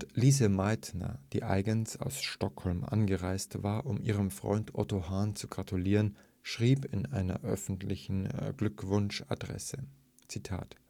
Lise Meitner, die eigens aus Stockholm angereist war, um ihrem Freund Otto Hahn zu gratulieren, schrieb in einer öffentlichen Glückwunschadresse: „ Dein